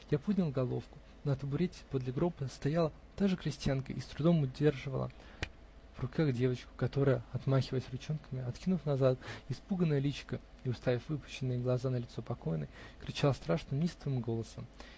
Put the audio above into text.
Я поднял голову -- на табурете, подле гроба, стояла та же крестьянка и с трудом удерживала в руках девочку, которая, отмахиваясь ручонками, откинув назад испуганное личико и уставив выпученные глаза на лицо покойной, кричала страшным, неистовым голосом.